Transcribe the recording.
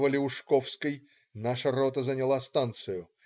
Ново-Леушковской, наша рота заняла станцию.